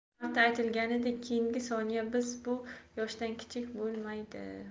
bir marta aytilganidek keyingi soniya biz bu yoshdan kichik bo'lmaydi